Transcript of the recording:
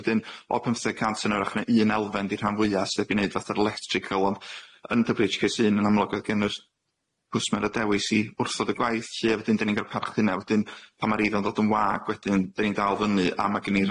wedyn o' pymtheg cant yn orach ne' un elfen di rhan fwya sef i neud fatha'r electrical ond yn Double-you Heitch cais un yn amlwg oedd gen yr cwsmer a dewis i wrthod y gwaith lly a wedyn dyn ni'n ca'l parch hynna wedyn pan ma'r eiddo'n ddod yn wag wedyn dyn ni'n dal fyny a ma' gen i